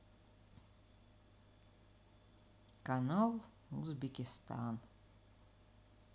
канал узбекистан